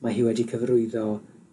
Ma' hi wedi cyfarwyddo